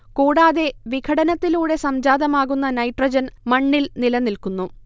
കൂടാതെ വിഘടനത്തിലൂടെ സംജാതമാകുന്ന നൈട്രജൻ മണ്ണിൽ നിലനിൽക്കുന്നു